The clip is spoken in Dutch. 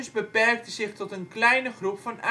beperkte zich tot een kleine groep van